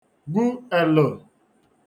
gwu èlə̣̀